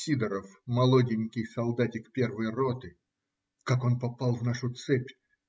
Сидоров, молоденький солдатик первой роты ("как он попал в нашу цепь?"